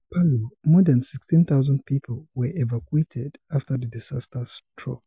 In Palu, more than 16,000 people were evacuated after the disaster struck.